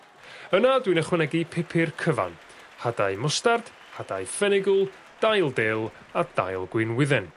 Yna dwi'n ychwanegu pupur cyfan hadau mwstard hadau ffenigl dail dil a dail gwinwydden.